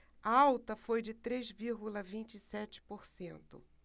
a alta foi de três vírgula vinte e sete por cento